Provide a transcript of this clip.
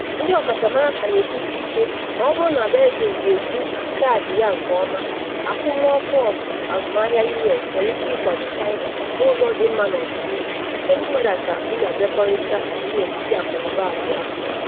Ndị ọkachamara ka na ekwusi ike na ọ bụrụ na Beijing ga-egwu kaadị ya nke ọma, akwumọkụ ọgụ azụmahịa US nwere ike ịkwado China n’ụzọ dị mma n’ọdịnihu site na iwedata ndabekọrịta dị n’etiti akụnụba abụọ ahụ.